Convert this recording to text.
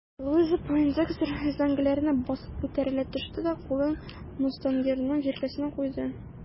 Луиза Пойндекстер өзәңгеләренә басып күтәрелә төште дә кулын мустангерның җилкәсенә куйды.